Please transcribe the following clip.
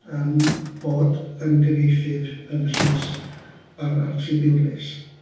Yym bod yn gyfieithydd yn y llys a'r a'r tribiwnlys.